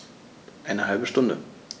Eine halbe Stunde